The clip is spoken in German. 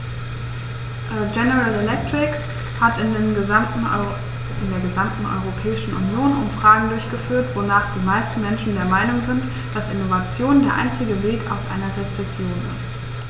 General Electric hat in der gesamten Europäischen Union Umfragen durchgeführt, wonach die meisten Menschen der Meinung sind, dass Innovation der einzige Weg aus einer Rezession ist.